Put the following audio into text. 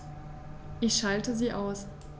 Ich schalte sie aus.